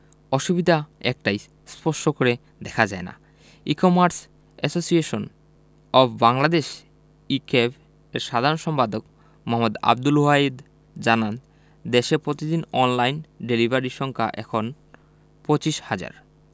অসুবিধা একটাই স্পর্শ করে দেখা যায় না e commerce association of Bangladesh e cab এর সাধারণ সম্পাদক মো. আবদুল ওয়াহেদ জানান দেশে পতিদিন অনলাইন ডেলিভারি সংখ্যা এখন ২৫ হাজার